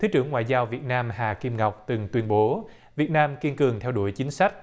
thứ trưởng ngoại giao việt nam hà kim ngọc từng tuyên bố việt nam kiên cường theo đuổi chính sách